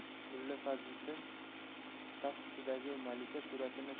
mulla fazliddin tagqutidagi malika suratini